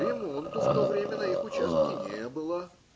Ремонту в то время на их участке не было.